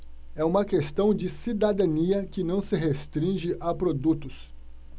é uma questão de cidadania que não se restringe a produtos